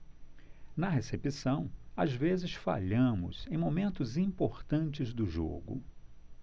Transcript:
na recepção às vezes falhamos em momentos importantes do jogo